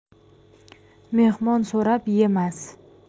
mehmon so'rab yemas